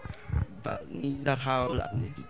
fel ni 'da'r hawl.